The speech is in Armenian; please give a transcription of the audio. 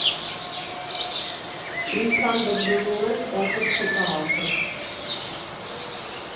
Ինչքան բզբզում ես, օգուտ չկա, ախր…